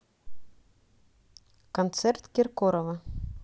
концерт киркорова